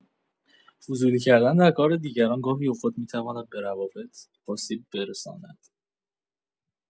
فضولی کردن در کار دیگران گاهی اوقات می‌تواند به روابط آسیب برساند.